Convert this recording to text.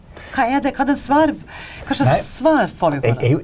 hva er det hva den svarer hva slags svar får vi på det?